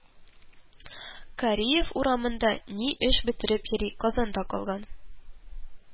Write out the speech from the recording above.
Кариев урамында ни эш бетереп йөри, Казанда калган